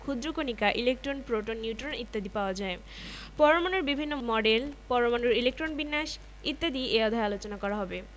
ক্ষুদ্র কণিকা electron proton neutron ইত্যাদি পাওয়া যায় পরমাণুর বিভিন্ন মডেল পরমাণুর ইলেকট্রন বিন্যাস ইত্যাদি এ অধ্যায়ে আলোচনা করা হবে